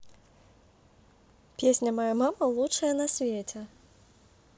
песня моя мама самая лучшая фея